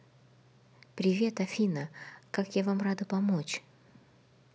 привет афина как я вам рада помочь